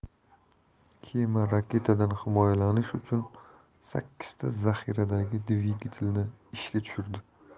kema raketadan himoyalanish uchun sakkizta zaxiradagi dvigatelini ishga tushirdi